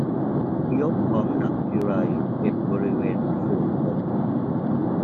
ยกของหนักทีไรเจ็บบริเวณทรวงอก